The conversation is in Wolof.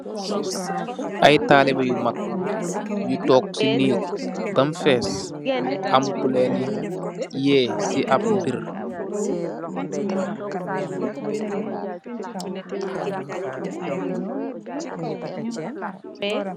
Aiiy talibeh yu mak yu tohg cii nehgg bam fess, am kulen dii yehh cii abb mbirr.